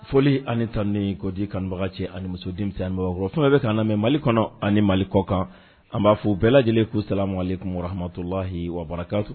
Foli ani tan ni kodi kanbaga cɛ ani muso denmisɛnninsɛnbagawkɔrɔ fɛn bɛ kan na mɛ mali kɔnɔ ani mali kɔkan an b'a fɔ u bɛɛ lajɛlen kusala m tunkara hamadulayi wawakanso